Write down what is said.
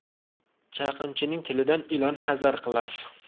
chaqimchining tilidan ilon hazar qilar